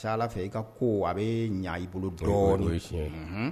A ka tiya Ala fɛ i ka kow a bɛ ɲɛ i bolo dɔni, o ye tiɲɛ ye, unhun